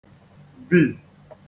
-bì